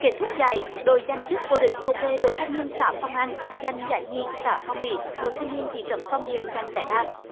kết thúc giải đội giành chức vô địch thuộc về đội thanh niên xã phong an giành giải nhì xã phong mỹ đội thanh niên thị trấn phong điền giành giải ba